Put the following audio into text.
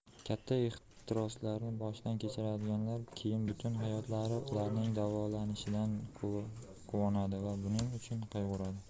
katta ehtiroslarni boshdan kechirganlar keyin butun hayotlari ularning davolanishidan quvonadi va buning uchun qayg'uradi